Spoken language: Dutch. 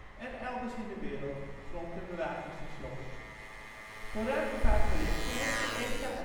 en elders in de wereld (grond - en bewakingstations). Voor ruimtevaartprojecten heeft de ESA